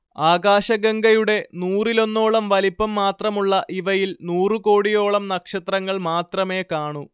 ആകാശഗംഗയുടെ നൂറിലൊന്നോളം വലിപ്പം മാത്രമുള്ള ഇവയിൽ നൂറുകോടിയോളം നക്ഷത്രങ്ങൾ മാത്രമേ കാണൂ